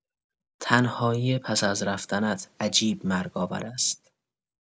تنهایی پس از رفتنت عجیب مرگ‌آور است.